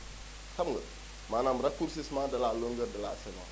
xam nga maanaam racourcissement de la longueur de la saison